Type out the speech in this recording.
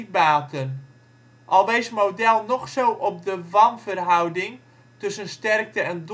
baten. Al wees Model nog zo op de wanverhouding tussen sterkte en